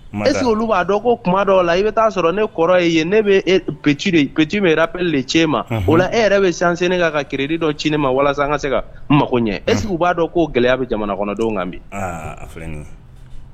E b'a dɔn ko kuma dɔw la i bɛ taaa sɔrɔ ne kɔrɔ' ye ne bɛp de cɛ ma o e yɛrɛ bɛ sansenni ka ka kiiridi dɔ tiinin ma walasa ka se ka mako ɲɛ e b'a dɔn ko gɛlɛya bɛ jamana kɔnɔdenw kan bi